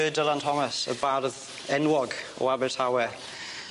Y Dylan Thomas y bardd enwog o Abertawe.